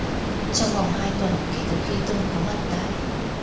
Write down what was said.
trong vòng hai tuần kể từ khi tom có mặt tại